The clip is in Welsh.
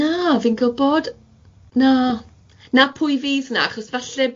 Na fi'n gwbod na 'na pwy fydd na chos falle